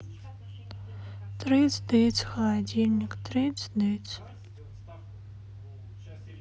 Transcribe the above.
трыц дыц холодильник трыц дыц